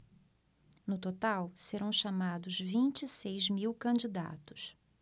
no total serão chamados vinte e seis mil candidatos